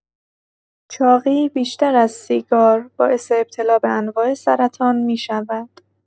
چاقی بیشتر از سیگار باعث ابتلا به انواع سرطان می‌شود.